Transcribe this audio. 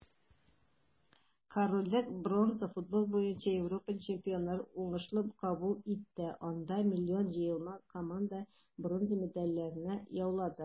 Корольлек бронза футбол буенча Европа чемпионатын уңышлы кабул итте, анда милли җыелма команда бронза медальләрне яулады.